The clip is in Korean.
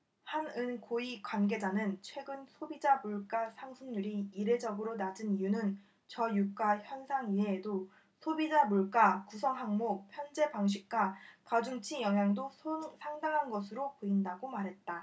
한은 고위 관계자는 최근 소비자물가상승률이 이례적으로 낮은 이유는 저유가 현상 이외에도 소비자물가 구성항목 편제방식과 가중치 영향도 상당한 것으로 보인다고 말했다